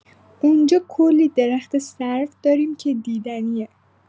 اونجا کلی درخت سرو داریم که دیدنیه.